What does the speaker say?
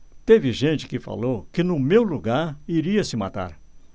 teve gente que falou que no meu lugar iria se matar